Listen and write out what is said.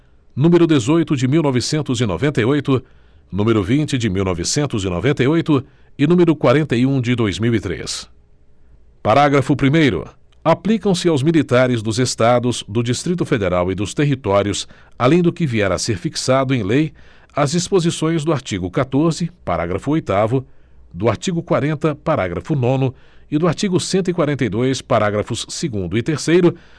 número dezoito de mil novecentos e noventa e oito número vinte de mil novecentos e noventa e oito e número quarenta e um de dois mil e três parágrafo primeiro aplicam se aos militares dos estados do distrito federal e dos territórios além do que vier a ser fixado em lei as disposições do artigo catorze parágrafo oitavo do artigo quarenta parágrafo nono e do artigo cento e quarenta e dois parágrafos segundo e terceiro